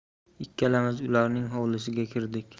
ikkalamiz ularning hovlisiga kirdik